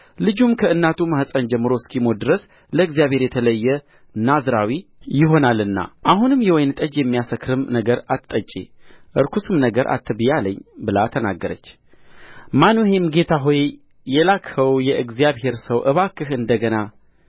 ልጁም ከእናቱ ማኅፀን ጀምሮ እስኪሞት ድረስ ለእግዚአብሔር የተለየ ናዝራዊ ይሆናልና አሁን የወይን ጠጅ የሚያሰክርም ነገር አትጠጪ ርኩስም ነገር አትብዪ አለኝ ብላ ተናገረች ማኑሄም ጌታ ሆይ የላክኸው የእግዚአብሔር ሰው እባክህ እንደ ገና